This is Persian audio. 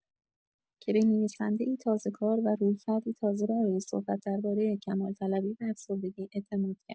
که به نویسنده‌ای تازه‌کار، و رویکردی تازه برای صحبت درباره کمال‌طلبی و افسردگی اعتماد کرد.